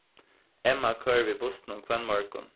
emma koyrir við bussinum hvønn morgun